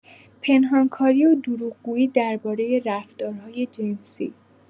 پنهان‌کاری و دروغ‌گویی درباره رفتارهای جنسی